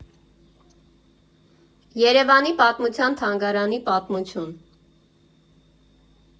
Երևանի պատմության թանգարանի պատմություն։